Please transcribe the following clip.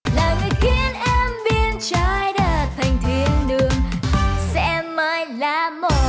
là người khiến em biến trái đất thành thiên đường sẽ mãi là